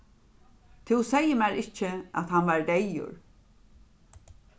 tú segði mær ikki at hann var deyður